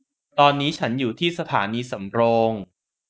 ตอนนี้ฉันอยู่ที่สถานีสำโรง